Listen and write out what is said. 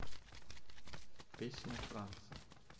песня франция